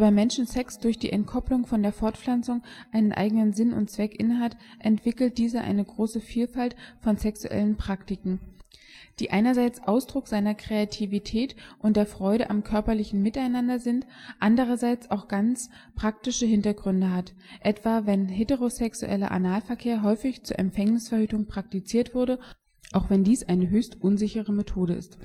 Menschen Sex durch die Entkopplung von der Fortpflanzung einen eigenen Sinn und Zweck innehat, entwickelte dieser eine große Vielfalt von sexuellen Praktiken, die einerseits Ausdruck seiner Kreativität und der Freude am körperlichen Miteinander sind, andererseits auch ganz praktische Hintergründe hat, etwa wenn heterosexueller Analverkehr häufig zur Empfängnisverhütung praktiziert wurde - auch wenn dies eine höchst unsichere Methode ist